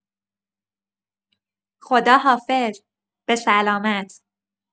خداحافظ، به سلامت.